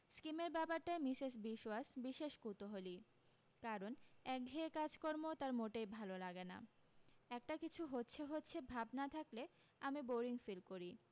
স্কীমের ব্যাপারটায় মিসেস বিশোয়াস বিশেষ কুতুহলী কারণ একঘেয়ে কাজকর্ম তার মোটেই ভালো লাগে না একটা কিছু হচ্ছে হচ্ছে ভাব না থাকলে আমি বোরিং ফিল করি